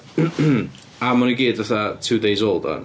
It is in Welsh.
A ma' nhw i gyd fatha two days old 'wan.